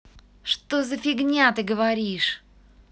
что за фигня ты говоришь